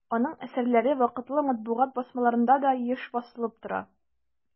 Аның әсәрләре вакытлы матбугат басмаларында да еш басылып тора.